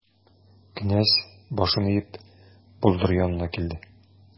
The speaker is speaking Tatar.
Князь, башын иеп, болдыр янына килде.